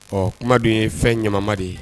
Ɔ kumadenw ye fɛn ɲama de ye